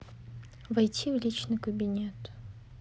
войти в личный кабинет